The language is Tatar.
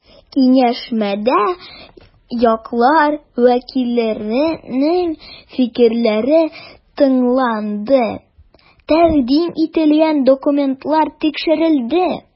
Киңәшмәдә яклар вәкилләренең фикерләре тыңланды, тәкъдим ителгән документлар тикшерелде.